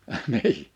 - niin